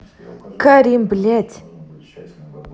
карим блядь